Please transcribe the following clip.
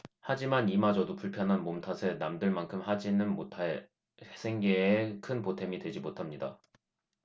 하지만 이마저도 불편한 몸 탓에 남들만큼 하지는못해 생계에 큰 보탬이 되지 못합니다